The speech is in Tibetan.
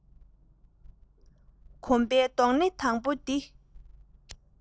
གོམ པའི རྡོག སྣེ དང པོ དེ